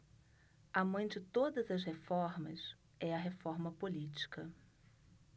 a mãe de todas as reformas é a reforma política